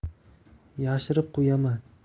yashirib qo'yaman